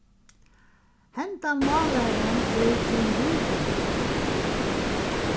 hendan mállæran er tilvildarlig